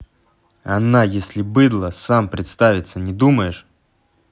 она если быдло сам представиться не думаешь